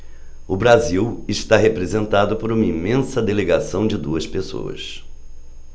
o brasil está representado por uma imensa delegação de duas pessoas